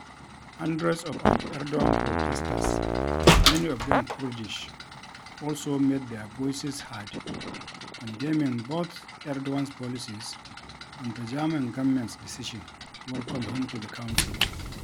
Hundreds of anti-Erdogan protesters - many of them Kurdish - also made their voices heard, condemning both Erdogan's policies and the German government's decision to welcome him to the country.